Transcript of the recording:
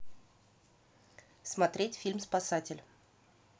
смотреть фильм спасатель